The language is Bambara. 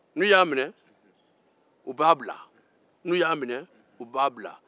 n'u y'a minɛ u b'a bila n'u y'a minɛ u b'a bila